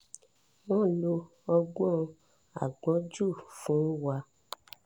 Wọ́n lo ọgbọ́n àgbọ́njù fún wa."